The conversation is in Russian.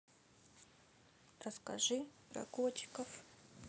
расскажи про котиков